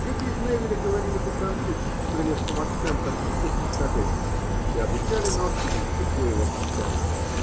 Дети из Неввиля говорили по-французски с прелестным акцентом истых невшательцев и обучали Норти языку своего кантона